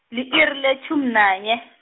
li iri letjhumi nanye.